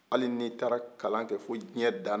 hali n'i taara kalan kɛ fo diɲɛ dan na